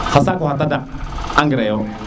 xa saku xa tadaq engrais yo